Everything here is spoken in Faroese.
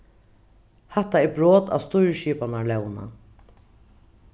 hatta er brot á stýrisskipanarlógina